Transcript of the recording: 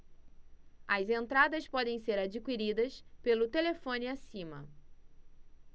as entradas podem ser adquiridas pelo telefone acima